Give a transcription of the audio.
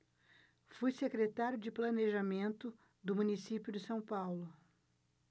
foi secretário de planejamento do município de são paulo